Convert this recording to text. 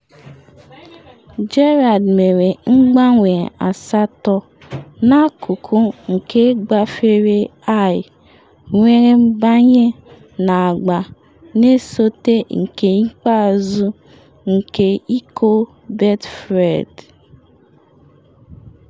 Gerrard mere mgbanwe asatọ n’akụkụ nke gbafere Ayr were banye n’agba na-esote nke ikpeazụ nke Iko Betfred.